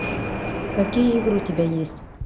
какие игры у тебя есть